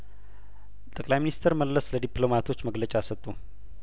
ጠቅላይ ሚኒስተር መለስ ለዲፕሎማቶች መግለጫ ሰጡ